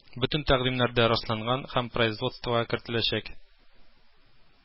Бөтен тәкъдимнәр дә расланган һәм производствога кертеләчәк